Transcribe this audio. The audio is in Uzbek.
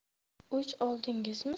o'ch oldingizmi